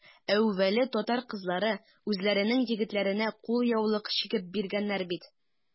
Әүвәле татар кызлары үзләренең егетләренә кулъяулык чигеп биргәннәр бит.